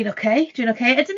Dwi'n ocê, dwi'n ocê.